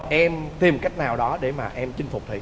em tìm cách nào đó để mà em chinh phục thủy